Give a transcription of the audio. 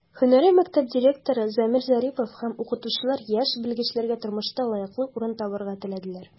Һөнәри мәктәп директоры Замир Зарипов һәм укытучылар яшь белгечләргә тормышта лаеклы урын табарга теләделәр.